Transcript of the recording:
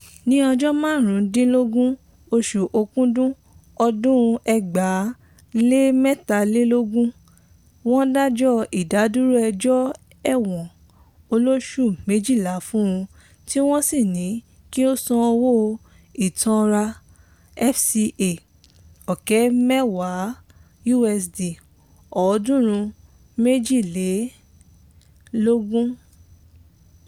Ní ọjọ́ 15 oṣù Òkudù, ọdún 2023, wọ́n dájọ́ ìdádúró ẹjọ́ ẹ̀wọ̀n olóṣù-12 fún un tí wọ́n sì ní kí ó san owó ìtanràn FCFA 200,000 (USD 322).